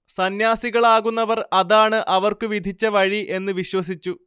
സന്യാസികളാകുന്നവർ അതാണ് അവർക്കു വിധിച്ച വഴി എന്നു വിശ്വസിച്ചു